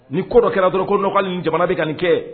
Ni koro kɛra dɔrɔn ko n ni jamana de ka nin kɛ